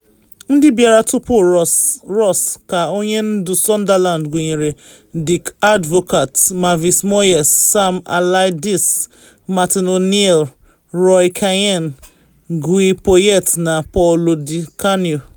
Ndị bịara tupu Ross ka onye ndu Sunderland gụnyere Dick Advocaat, David Moyes, Sam Allardyce, Martin O'Neill, Roy Keane, Gue Poyet na Paulo Di Canio.